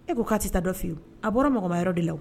E ko k'a tɛ ta dɔ fɛ ye a bɔra mɔgɔma yɔrɔ de la